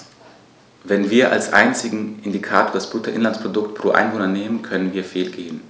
Wenn wir als einzigen Indikator das Bruttoinlandsprodukt pro Einwohner nehmen, können wir fehlgehen.